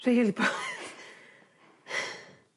Rhili boeth.